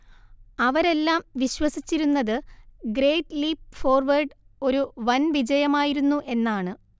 അവരെല്ലാം വിശ്വസിച്ചിരുന്നത് Great Leap Forward ഒരു വൻ വിജയമായിരുന്നു എന്നാണ്